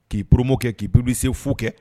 K'iurmo kɛ k'iururilise fu kɛ